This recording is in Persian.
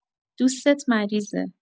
دوستت مریضه